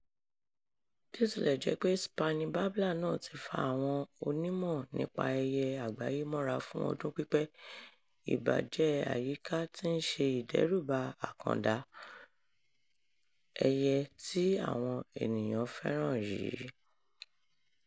Bí ó ti lẹ̀ jẹ́ pé Spiny Babbler náà ti fa àwọn onímọ̀-nípa-ẹyẹ àgbáyé mọ́ra fún ọdún pípẹ́, ìbàjẹ́ àyíká ti ń ṣe ìdẹ́rùbà àkàndá, ẹyẹ tí àwọn ènìyàn fẹ́ràn yìí.